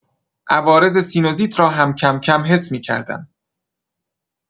عوارض سینوزیت را هم کم‌کم حس می‌کردم.